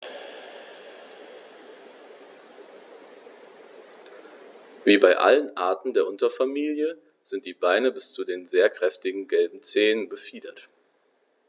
Wie bei allen Arten der Unterfamilie sind die Beine bis zu den sehr kräftigen gelben Zehen befiedert.